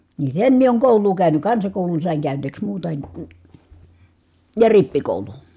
niin sen minä olen koulua käynyt kansakoulun sain käyneeksi muuta en ja rippikoulun